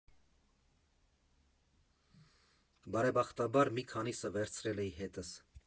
Բարեբախտաբար, մի քանիսը վերցրել էի հետս։